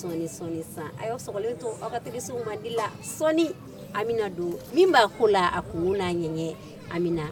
Y'a sɔrɔ to aw segu madi la sɔɔni an bɛna don min b'a ko la a ko n'a ɲɛ an bɛ